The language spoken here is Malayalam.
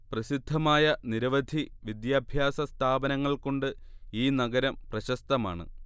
പ്രസിദ്ധമായ നിരവധി വിദ്യാഭ്യാസ സ്ഥാപനങ്ങൾ കൊണ്ട് ഈ നഗരം പ്രശസ്തമാണ്